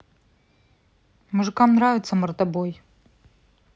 мужикам нравится мордобой